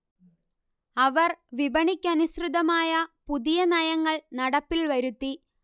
അവർ വിപണിക്കനുസൃതമായ പുതിയ നയങ്ങൾ നടപ്പിൽ വരുത്തി